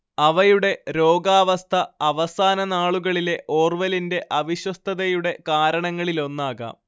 അവയുടെ രോഗാവസ്ഥ അവസാന നാളുകളിലെ ഓർവെലിന്റെ അവിശ്വസ്തതയുടെ കാരണങ്ങളിലൊന്നാകാം